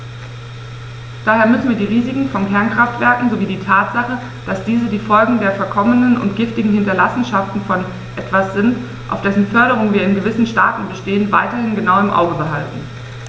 Daher müssen wir die Risiken von Kernkraftwerken sowie die Tatsache, dass diese die Folgen der verkommenen und giftigen Hinterlassenschaften von etwas sind, auf dessen Förderung wir in gewissen Staaten bestehen, weiterhin genau im Auge behalten.